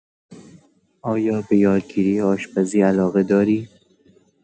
آیا به یادگیری آشپزی علاقه داری؟